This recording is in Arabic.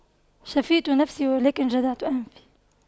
شفيت نفسي ولكن جدعت أنفي